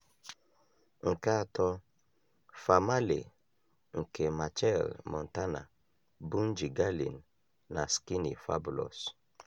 3. "Famalay" nke Machel Montana, Bunji Garlin na Skinny Fabulous